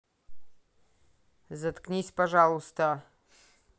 заткнись пожалуйста